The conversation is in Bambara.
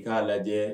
I k'a lajɛ